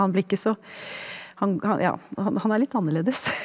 han blir ikke så han han ja han han er litt annerledes.